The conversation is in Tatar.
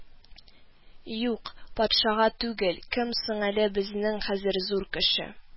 Юк, патшага түгел, кем соң әле безнең хәзер зур кеше